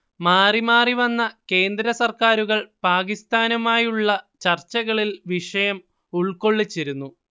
മാറിമാറി വന്ന കേന്ദ്രസർക്കാരുകൾ പാകിസ്താനുമായുള്ള ചർച്ചകളിൽ വിഷയം ഉൾക്കൊള്ളിച്ചിരുന്നു